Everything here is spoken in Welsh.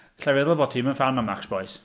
Alla i feddwl bo' ti'm yn ffan o Max Boyce.